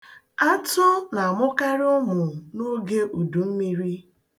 Atụ na-amụkarị ụmụ n'oge udummiri.